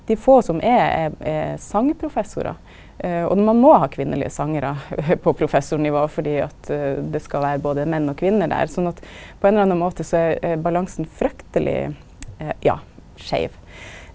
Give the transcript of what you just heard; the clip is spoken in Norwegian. dei få som er er er songprofessorar, og ein må ha kvinnelege songarar på professornivå fordi at det skal vera både menn og kvinner der, sånn at på ein eller annan måte så er er balansen frykteleg ja skeiv.